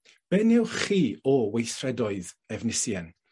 Be' newch chi o weithredoedd Efnisien?